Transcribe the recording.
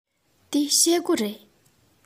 འདི ཤེལ སྒོ རེད